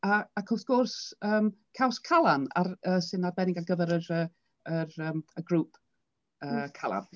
A ac wrth gwrs yym Caws Calan ar yy sy'n arbennig ar gyfer yr yy yr yym y grŵp yy Calan.